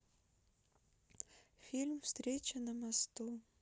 фильм встреча на мосту